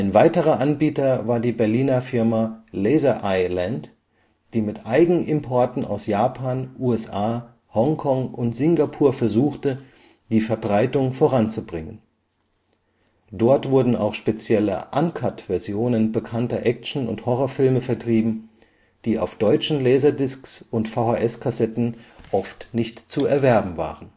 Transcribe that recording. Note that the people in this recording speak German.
weiterer Anbieter war die Berliner Firma Laser-Eye-Land, die mit Eigenimporten aus Japan, USA, Hongkong und Singapur versuchte, die Verbreitung voranzubringen. Dort wurden auch spezielle „ Uncut “- Versionen bekannter Action - und Horrorfilme vertrieben, die auf deutschen Laserdiscs und VHS-Kassetten oft nicht zu erwerben waren